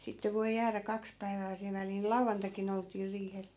sitten voi jäädä kaksi päivää sillä välillä lauantaikin oltiin riihellä